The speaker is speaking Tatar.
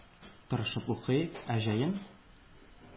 Тырышып укый. Ә җәен